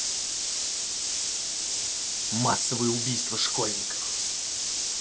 массовое убийство школьников